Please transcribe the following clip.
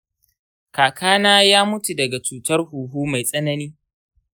kakana ya mutu daga cutar huhu mai tsanani